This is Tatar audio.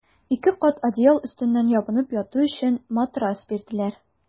Ике кат одеял өстеннән ябынып яту өчен матрас бирделәр.